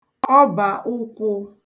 ọbàụkwụ̄